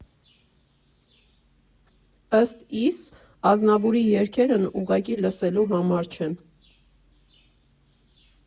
Ըստ իս, Ազնավուրի երգերն ուղղակի լսելու համար չեն.